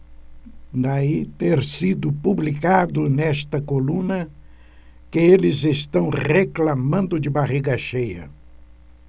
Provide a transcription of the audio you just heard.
daí ter sido publicado nesta coluna que eles reclamando de barriga cheia